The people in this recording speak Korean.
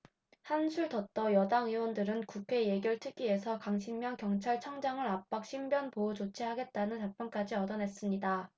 한술 더 떠 여당 의원들은 국회 예결특위에서 강신명 경찰청장을 압박 신변보호 조치를 하겠다는 답변까지 얻어냈습니다